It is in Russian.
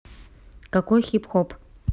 какой хип хоп